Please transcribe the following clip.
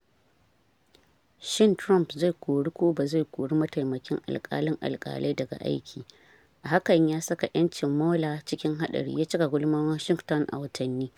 Shin Trump zai kori ko ba zai kori mataimakin alkalin alkalai daga aiki, a hakan ya saka ‘yancin Mueller cikin hadari, ya cika gulmar Washington a watanni.